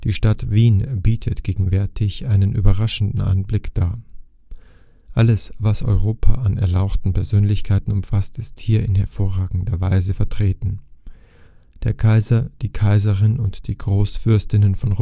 Stadt Wien bietet gegenwärtig einen überraschenden Anblick dar; alles was Europa an erlauchten Persönlichkeiten umfasst ist hier in hervorragender Weise vertreten. Der Kaiser, die Kaiserin und die Großfürstinnen von